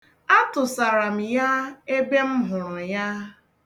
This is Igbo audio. Atụsara m ya ebe m hụrụ ya.